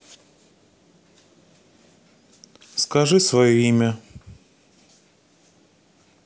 скажи свое имя